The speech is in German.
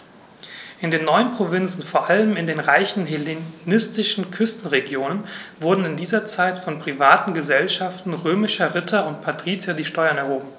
In den neuen Provinzen, vor allem in den reichen hellenistischen Küstenregionen, wurden in dieser Zeit von privaten „Gesellschaften“ römischer Ritter und Patrizier die Steuern erhoben.